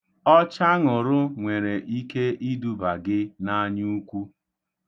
Ọchaṅụrụ nwere ike iduba gị n'anyuukwu.